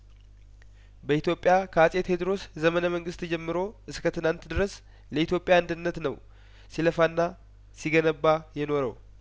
በኢትዮጵያ ከአጼ ቴድሮስ ዘመነ መንግስት ጀምሮ እስከትናንት ድረስ ለኢትዮጵያ አንድነት ነው ሲለፋና ሲገነባ የኖረው